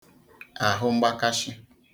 ahụ mgbakashị